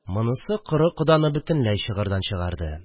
Монысы коры коданы бөтенләй чыгырдан чыгарды